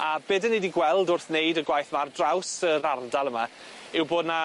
A be' 'dyn ni 'di gweld wrth wneud y gwaith 'ma ar draws yr ardal yma yw bod 'na